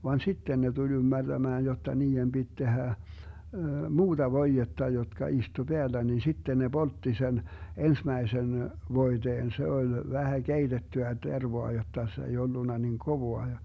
vaan sitten ne tuli ymmärtämään jotta niiden piti tehdä muuta voidetta jotka istui päällä niin sitten ne poltti sen ensimmäisen voiteen se oli vähän keitettyä tervaa jotta se ei ollut niin kovaa ja